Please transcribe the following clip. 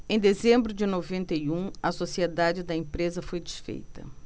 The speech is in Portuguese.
em dezembro de noventa e um a sociedade da empresa foi desfeita